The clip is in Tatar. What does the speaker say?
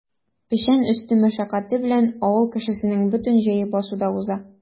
Печән өсте мәшәкате белән авыл кешесенең бөтен җәе басуда уза.